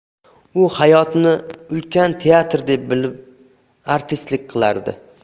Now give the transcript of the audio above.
u hayotni ulkan teatr deb bilib artistlik qilardi